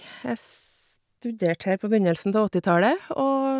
Jeg studerte her på begynnelsen ta åttitallet, og...